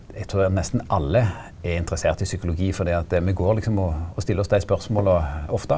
eg trur at nesten alle er interessert i psykologi fordi at me går liksom og og stiller oss dei spørsmåla ofte.